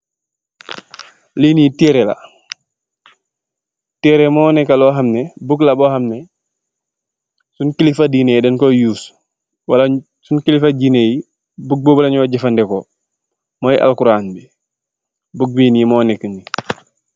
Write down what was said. Lini tereh la m, tereh mo neka lo hamneh book la bo hamneh, sun kilifa dinneh yi deng ko used wala sun kilifa dinneh yi book bobu lanyo jefandiko. Moye Quran bi book bini mo neka ni.